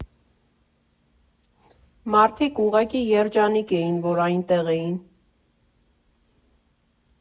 Մարդիկ ուղղակի երջանիկ էին, որ այնտեղ էին։